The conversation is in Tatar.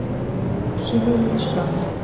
Шинельле шагыйрь.